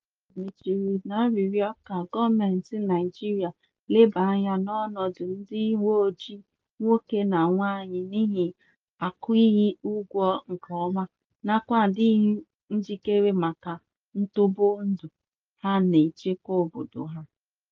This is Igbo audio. Yomi Says mechiri n'ịrịọ ka gọọmentị Naịjirịa lebaa anya n'ọnọdụ ndị uweojii nwoke na nwaanyị n'ihi akwụghị ụgwọ nkeọma nakwa adịghị njikere maka ntọgbọ ndụ ha n'ichekwa Obodo ha.